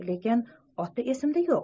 lekin oti esimda yo'q